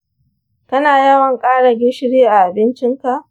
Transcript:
kana yawan ƙara gishiri a abincinka?